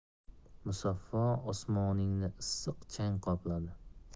musaffo osmoningni issiq chang qopladi